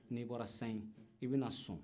n'i bɔra sayin i bɛ na son